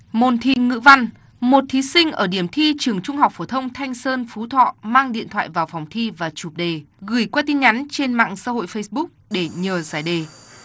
môn thi ngữ văn một thí sinh ở điểm thi trường trung học phổ thông thanh sơn phú thọ mang điện thoại vào phòng thi và chụp đề gửi qua tin nhắn trên mạng xã hội phây búc để nhờ giải đề